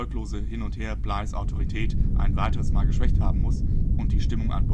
Hin und Her Blighs Autorität ein weiteres Mal geschwächt haben muss und die Stimmung an